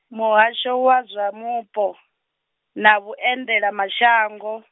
Muhasho wa zwa Mupo, na vhuendelamashango.